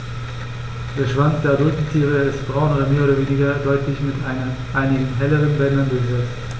Der Schwanz der adulten Tiere ist braun und mehr oder weniger deutlich mit einigen helleren Bändern durchsetzt.